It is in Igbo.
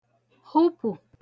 hupụ̀